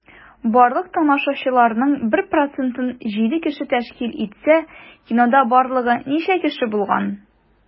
Барлык тамашачыларның 1 процентын 7 кеше тәшкил итсә, кинода барлыгы ничә кеше булган?